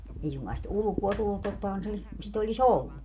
ei suinkaan sitä ulkoa tullut tottahan se sitä olisi ollut